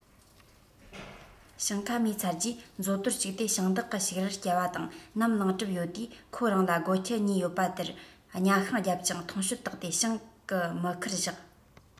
ཞིང ཁ རྨོས ཚར རྗེས མཛོ དོར གཅིག དེ ཞིང བདག གི ཕྱུགས རར བསྐྱལ བ དང ནམ ལངས གྲབས ཡོད དུས ཁོ རང ལ སྒོ ཁྱི གཉིས ཡོད པར དེར གཉའ ཤིང རྒྱབ ཅིང ཐོང གཤོལ བཏགས ཏེ ཞིང གི མུ ཁར བཞག